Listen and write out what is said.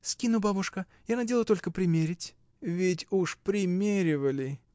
— Скину, бабушка, я надела только примерить. — Ведь уж примеривали!